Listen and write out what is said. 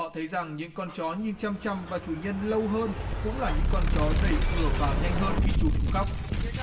họ thấy rằng những con chó nhìn chăm chăm vào chủ nhân lâu hơn cũng là những con chó đẩy cửa vào nhanh hơn khi chủ chúng khóc